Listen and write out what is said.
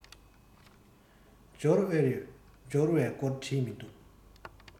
འབྱོར ཨེ ཡོད འབྱོར བའི སྐོར བྲིས མི འདུག